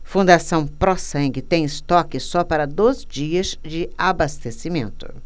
fundação pró sangue tem estoque só para dois dias de abastecimento